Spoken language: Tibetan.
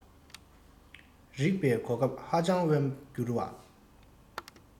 རེག པའི གོ སྐབས ཧ ཅང དབེན འགྱུར པས